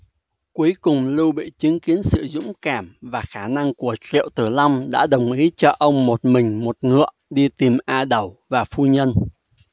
cuối cùng lưu bị chứng kiến sự dũng cảm và khả năng của triệu tử long đã đồng ý cho ông một mình một ngựa đi tìm a đẩu và phu nhân